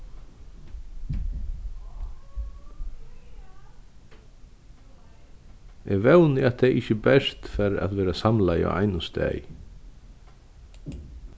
eg vóni at tey ikki bert fara at verða samlaði á einum staði